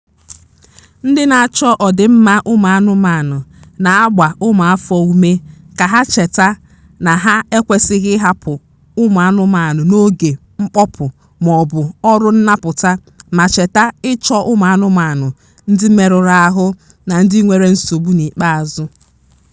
Ndị na-achọ ọdịmma ụmụanụmanụ na-agba ụmụafọ ume ka ha cheta na ha ekwesịghị ịhapụ ụmụ anụmanụ n'oge mkpọpụ maọbụ ọrụ nnapụta ma cheta ịchọ ụmụanụmanụ ndị merụrụ ahụ na ndị nwere nsogbu n'ikpeazụ.